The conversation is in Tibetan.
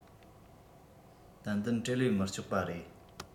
ཏན ཏན བྲེལ བས མི ལྕོགས པ རེད